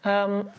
Yym